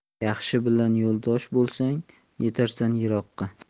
yaxshi bilan yo'ldosh bo'lsang yetarsan yiroqqa